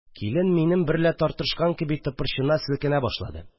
Килен минем берлә тартышкан кеби тыпырчына, селкенә башлады